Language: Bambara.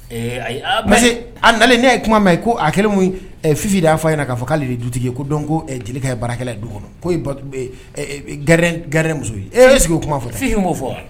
Ɛɛ ayi parce a na ne ye kuma ma yen ko a kɛlen fi' a'a ye na k' fɔ k'ale de dutigi ye ko dɔn ko jelikɛ ye baarakɛ don kɔnɔ ko gɛrɛ muso ye e sigi o kuma fɔ ffin b'o fɔ